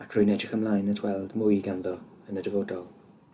ac rwy'n edrych ymlaen at weld mwy ganddo yn y dyfodol.